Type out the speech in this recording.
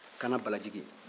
kana balajigi